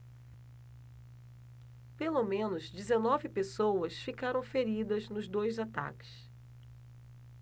pelo menos dezenove pessoas ficaram feridas nos dois ataques